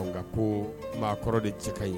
Nka ko maa kɔrɔ de cɛ ka ɲi